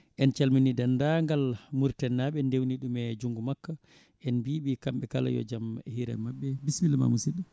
en calmini dendagal Mauritanie naaɓe en dewni ɗum e junggo makko en mbiɓe kamɓe kala yo jaam hiire mabɓe bisimillama musidɗo